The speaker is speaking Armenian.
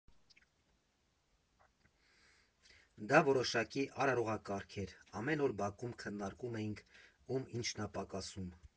Դա որոշակի արարողակարգ էր, ամեն օր բակում քննարկում էինք՝ ում ինչն ա է պակասում։